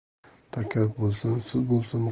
taka bo'lsin suti bo'lsin